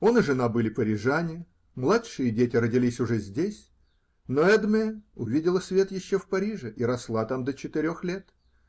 Он и жена были парижане, младшие дети родились уже здесь, но Эдмэ увидела свет еще в Париже и росла там до четырех лет.